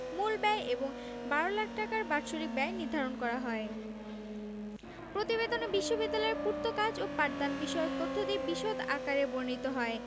মূল ব্যয় এবং ১২ লাখ টাকা বাৎসরিক ব্যয় নির্ধারণ করা হয় প্রতিবেদনে বিশ্ববিদ্যালয়ের পূর্তকাজ ও পাঠদানবিষয়ক তথ্যাদি বিশদ আকারে বর্ণিত হয়